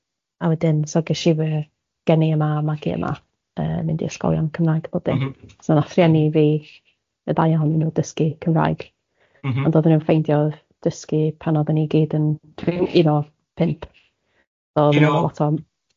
a wedyn, so ges i fy geni yma a magu yma yy mynd i ysgolion Cymraeg a bob dim... M-hm. ...so nath rhieni fi, y ddau ohonyn nhw dysgu Cymraeg... M-hm. ...ond oedden nhw'n ffeindio dysgu pan oedden ni gyd yn un o'r pump, so oedden nhw'n mynd lot o... Un o? ...pump.